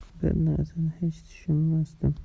bir narsani hech tushunmasdim